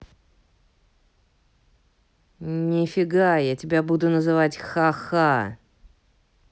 нифига я тебя буду называть хаха